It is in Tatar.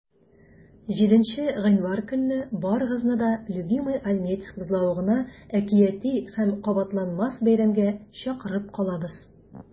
7 гыйнвар көнне барыгызны да "любимыйальметьевск" бозлавыгына әкияти һәм кабатланмас бәйрәмгә чакырып калабыз!